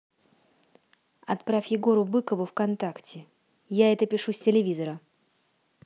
отправь егору быкову вконтакте я это пишу с телевизора